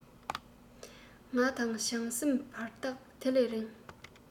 ང དང བྱང སེམས བར ཐག དེ ལས རིང